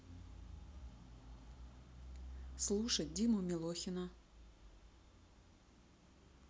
слушать диму милохина